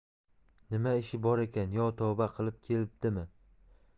nima ishi bor ekan yo tavba qilib kelibdimi